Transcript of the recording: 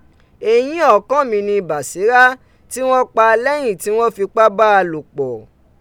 Eyín ọ̀ọ́kán mi ni Bàsírá tí wọ́n pa lẹ́yìn tí wọ́n fipá bá a lòpọ̀